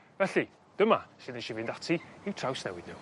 Felly dyma su' nesh i fynd ati i'w trawsnewid n'w.